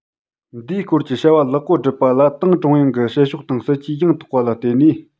འདིའི སྐོར གྱི བྱ བ ལེགས པོ བསྒྲུབ པ ལ ཏང ཀྲུང དབྱང གི བྱེད ཕྱོགས དང སྲིད ཇུས ཡང དག པ ལ བརྟེན ནས